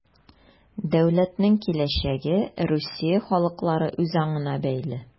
Дәүләтнең киләчәге Русия халыклары үзаңына бәйле.